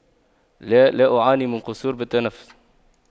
لا لا أعاني من قصور بالتنفس